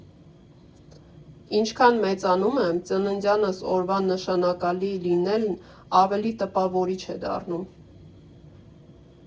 Ինչքան մեծանում եմ, ծննդյանս օրվա նշանակալի լինելն ավելի տպավորիչ է դառնում։